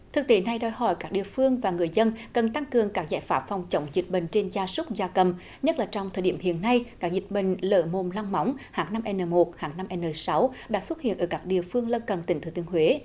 thực tế này đòi hỏi các địa phương và người dân cần tăng cường các giải pháp phòng chống dịch bệnh trên gia súc gia cầm nhất là trong thời điểm hiện nay các dịch bệnh lở mồm long móng hát năm e nờ một hát năm e nờ sáu đã xuất hiện ở các địa phương lân cận tỉnh thừa thiên huế